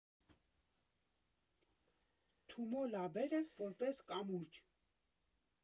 Թումո լաբերը՝ որպես կամուրջ։